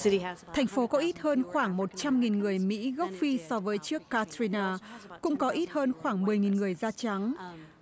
thành phố có ít hơn khoảng một trăm nghìn người mỹ gốc phi so với trước ka tri na cũng có ít hơn khoảng mười nghìn người da trắng